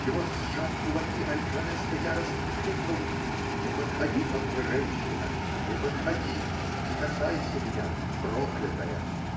И вот, сжав кулаки, Аль-Джанеско яростно крикнул: -- Не подходи ко мне, женщина, не подходи! Не касайся меня, проклятая!